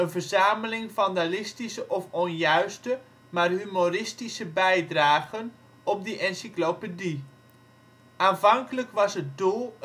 verzameling vandalistische of onjuiste maar humoristische bijdragen op die encyclopedie. Aanvankelijk was het doel